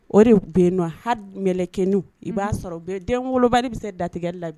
O de bɛ nɔ hali mɛlɛkɛninw, i b'a sɔrɔ bɛɛ den wolobali bɛ se datigɛli la bi